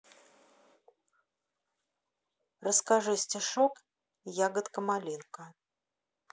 расскажи стишок ягода малинка